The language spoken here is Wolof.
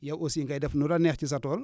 yow aussi ngay def nu la neex ci sa tool